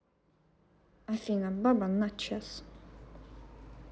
афина баба на час